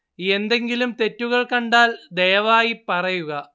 എന്തെങ്കിലും തെറ്റുകള്‍ കണ്ടാല്‍ ദയവായി പറയുക